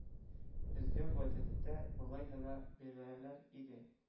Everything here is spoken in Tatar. Безгә гадәттә болай гына бирәләр иде